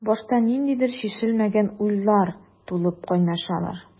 Башта ниндидер чишелмәгән уйлар тулып кайнашалар.